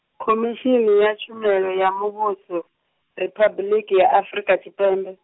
Khomishini ya Tshumelo ya Muvhuso, Riphabuḽiki ya Afrika Tshipembe.